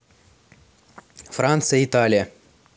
франция италия